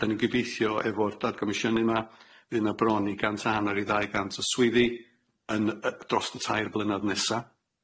A dan ni'n gobeithio efo'r dadgomisiynu 'ma fydd 'na bron i gant a hanner i ddau gant o swyddi yn yy dros y tair blynadd nesa.